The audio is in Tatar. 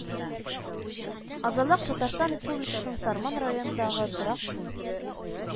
Азалак Татарстан Республикасының Сарман районындагы торак пункт